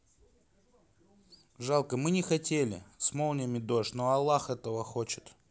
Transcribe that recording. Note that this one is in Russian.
жалко мы не хотели с молниями дождь но аллах этого хочет